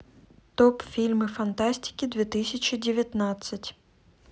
топ фильмы фантастики две тысячи девятнадцать